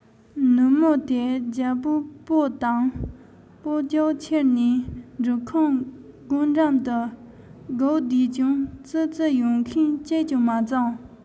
ནུབ མོ དེར རྒྱལ པོས སྦོ དང སྦོ རྒྱུགས ཁྱེར ནས འབྲུ ཁང སྒོ འགྲམ དུ སྒུག བསྡད ཀྱང ཙི ཙི ཡོང མཁན གཅིག ཀྱང མ བྱུང